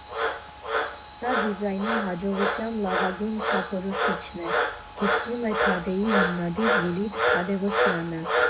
Սա դիզայնի հաջողության լավագույն չափորոշիչն է»,֊ կիսվում է «Թադէ»֊ի հիմնադիր Լիլիթ Թադևոսյանը։